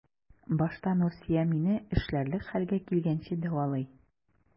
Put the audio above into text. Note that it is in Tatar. Башта Нурсөя мине эшләрлек хәлгә килгәнче дәвалый.